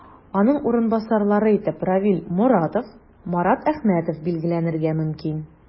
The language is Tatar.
Аның урынбасарлары итеп Равил Моратов, Марат Әхмәтов билгеләнергә мөмкин.